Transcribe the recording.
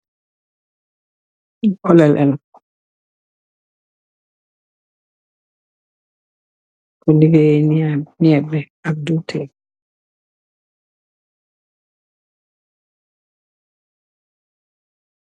Lii olele la....ñuñ ko ligeyee, ñambi, ñiebe ak diwtiir.